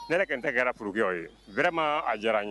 Ne tun tɛ kɛrauru yebma a diyara n ye